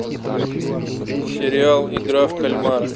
сериал игра в кальмара